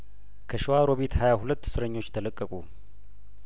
ከሸዋ ሮቢት ሀያሁለት እስረኞች ተለቀቁ